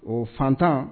O fantan.